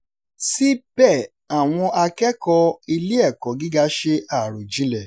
Síbẹ̀, àwọn akẹ́kọ̀ọ́ ilé-ẹ̀kọ́ gíga ṣe àròjinlẹ̀.